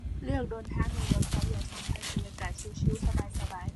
เลือกเดินทางโดยรถไฟ อยากสัมผัสบรรยากาศชิลชิลสบายสบาย